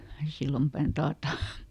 Sillanpään taata